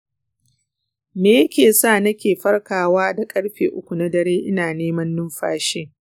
me yake sa nake farkawa da ƙarfe uku na dare ina neman numfashi?